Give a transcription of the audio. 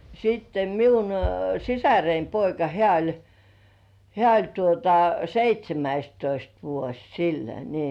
sitten minun sisareni poika hän oli hän oli tuota seitsemästoista vuosi sillä niin